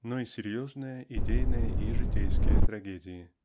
но и серьезные идейные и житейские трагедии.